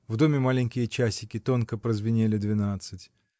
в доме маленькие часики тонко прозвенели двенадцать